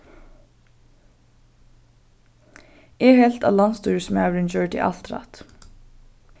eg helt at landsstýrismaðurin gjørdi alt rætt